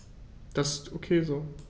Das ist ok so.